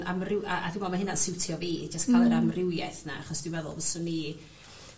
amwryw- a a dwi me'wl ma' hynna'n siwtio fi jyst ca'l yr amrywiaeth 'na achos dwi meddwl byswn i